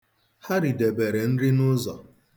Ha ridebere nri n'ụzọ.